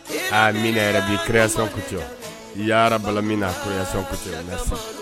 A min yɛrɛ bi keresankuc i yaaraba min na kesansan